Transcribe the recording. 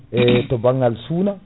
ey to banggal suuna